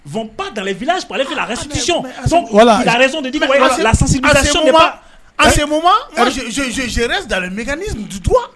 Fi alere